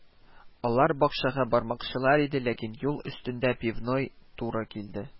Алар бакчага бармакчылар иде, ләкин юл өстендә пивной туры килде